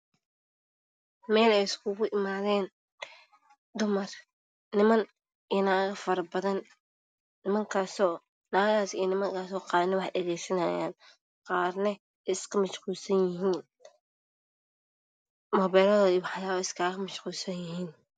Waa meel ay iskugu imaadeen naago iyo niman faro badan qaarna wax bay dhageysanayaan qaarna way iska mashquulasan yihiin oo muubeeladooda kumashquulsan.